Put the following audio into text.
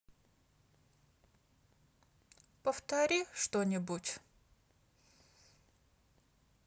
повтори что нибудь